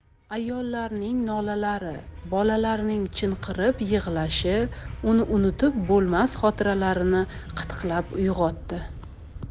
ayollarning nolalari bolalarning chinqirab yig'lashi uni unutib bo'lmas xotiralarini qitiqlab uyg'otdi